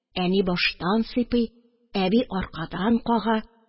Әни баштан сыйпый, әби аркадан кага